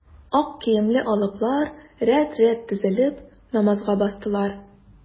Ак киемле алыплар рәт-рәт тезелеп, намазга бастылар.